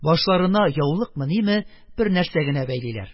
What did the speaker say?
Башларына яулыкмы-ниме, бернәрсә генә бәйлиләр.